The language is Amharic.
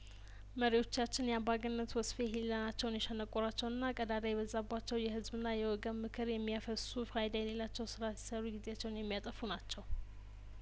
መሪዎቻችን የአምባገነንነት ወስፌ ህሊናቸውን የሸነቆራ ቸውና ቀዳዳ የበዛባቸው የህዝብና የወገንምክር የሚያፈሱ ፋይዳ የሌለው ስራ ሲሰሩ ጊዜያቸውን የሚያጠፉ ናቸው